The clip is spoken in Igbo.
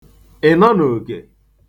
ị̀nọnòkè